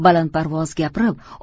balandparvoz gapirib